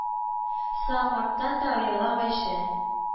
Са- маттан да ояла гайшә